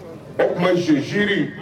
O tuma z ziiriri